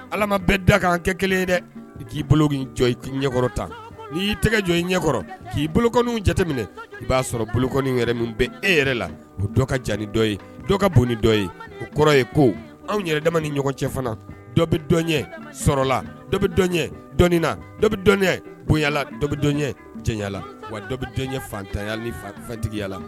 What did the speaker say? Ala bɛɛ da kan an kɛ kelen ye dɛ k'i bolo jɔ i ɲɛkɔrɔ ta n'i y'i tɛgɛjɔ i ɲɛkɔrɔ k'i bolow jateminɛ i b'a sɔrɔk yɛrɛ min bɛ e yɛrɛ la o dɔ ka jani dɔ ye dɔ ka bon dɔ ye o kɔrɔ ye ko anw yɛrɛdama ni ɲɔgɔn cɛ fana dɔ bɛ dɔn sɔrɔlala dɔ bɛ dɔnɲɛ dɔnna dɔ bɛ dɔn bonyala dɔ bɛ dɔnyala wa dɔ bɛ dɔn fantanyali fa fantigiyala